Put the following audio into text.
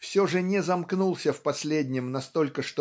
все же не замкнулся в последнем настолько